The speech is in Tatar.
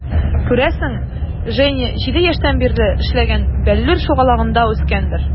Күрәсең, Женя 7 яшьтән бирле эшләгән "Бәллүр" шугалагында үскәндер.